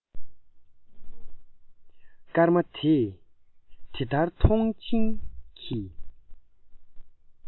སྐར མ དེས དེ ལྟར མཐོངས དབྱིངས ཀྱི